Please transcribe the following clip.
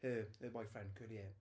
Her... her boyfriend, curly hair.